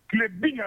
Tile bi naa